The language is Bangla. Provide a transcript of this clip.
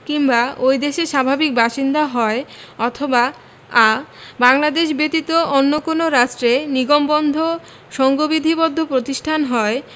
কিংবা ঐ দেশের স্বাভাবিক বাসিন্দা হয় অথবা আ বাংলাদেশ ব্যতীত অন্য কোন রাষ্ট্রে নিগমবন্ধ সংবিধিবদ্ধ প্রতিষ্ঠান হয়